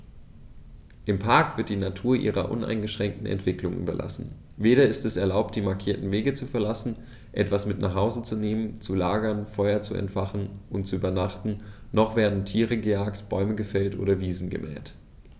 Im Park wird die Natur ihrer uneingeschränkten Entwicklung überlassen; weder ist es erlaubt, die markierten Wege zu verlassen, etwas mit nach Hause zu nehmen, zu lagern, Feuer zu entfachen und zu übernachten, noch werden Tiere gejagt, Bäume gefällt oder Wiesen gemäht.